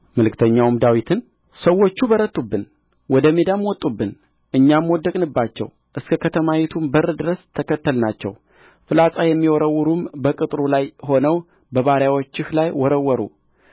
መልእክተኛውም ዳዊትን ሰዎቹ በረቱብን ወደ ሜዳም ወጡብን እኛም ወደቅንባቸው እስከ ከተማይቱም በር ድረስ ተከተልናቸው ፍላጻ የሚወረውሩም በቅጥሩ ላይ ሆነው በባሪያዎችህ ላይ ወረወሩ